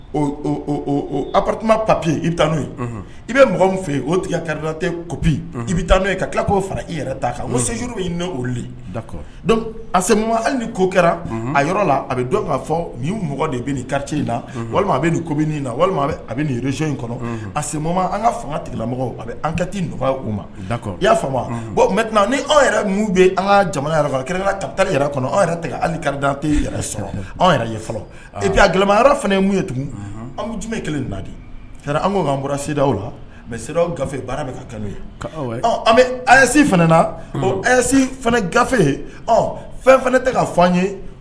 Papiye i n'o i bɛ mɔgɔ min fɛ yen o tigɛ kari kopi i bɛ taa n' ka tilao fara i yɛrɛ ta kan ne a se ko kɛra a yɔrɔ bɛ ka fɔ mɔgɔ de bɛ kari in na walima bɛ kobi walima bɛz in a se an ka fangalamɔgɔ a bɛ an kati u ma i y'a fa mɛ ni anw yɛrɛ bɛ an ka jamana yɛrɛ kari yɛrɛ yɛrɛ kari tɛ yɛrɛ sɔrɔ anw yɛrɛ e bi gɛlɛn fana ye mun ye tugun an jumɛn kelen nadi an ko an bɔra sew la mɛ aw gafe ye baara bɛ ka ka yesi fana na gafe ye fɛn fana tɛ ka fɔ ye